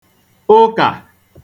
ụkà